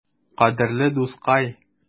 Кадерле дускай!